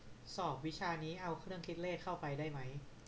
สอบวิชานี้เอาเครื่องคิดเลขเข้าไปได้ไหม